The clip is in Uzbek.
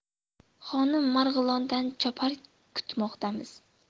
xonim marg'ilondan chopar kutmoqdamiz